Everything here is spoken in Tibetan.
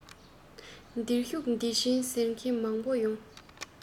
འདིར བཞུགས འདིར བྱོན ཟེར མཁན མང པོ ཡོང